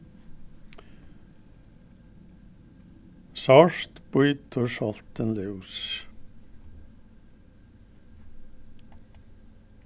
sárt bítur soltin lús